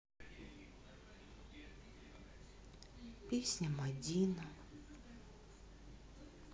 песня мадина